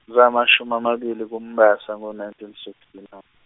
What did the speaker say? zingamashumi amabini kuMbasa ngo- nineteen sixty nine.